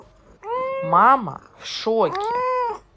мама в шоке